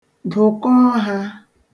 Dụkọọ ha.